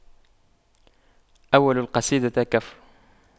أول القصيدة كفر